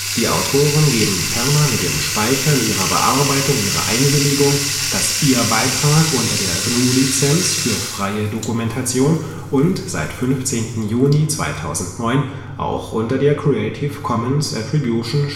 Die Autoren geben ferner mit dem Speichern ihrer Bearbeitung ihre Einwilligung, dass ihr Beitrag unter der GNU-Lizenz für freie Dokumentation (GFDL) und seit 15. Juni 2009 auch unter der Creative-Commons-Attribution-Share